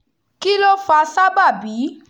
Kí ló fa sábàbí?